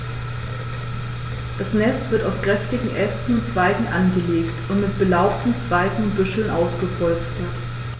Das Nest wird aus kräftigen Ästen und Zweigen angelegt und mit belaubten Zweigen und Büscheln ausgepolstert.